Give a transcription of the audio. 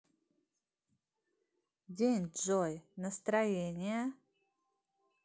день джой настроение